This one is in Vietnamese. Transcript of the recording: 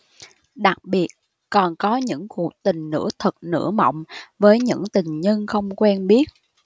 đặc biệt còn có những cuộc tình nửa thực nửa mộng với những tình nhân không quen biết